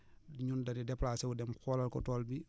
ñun dañuy déplacé wu dem xoolal ko tool bi